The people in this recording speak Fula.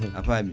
a faami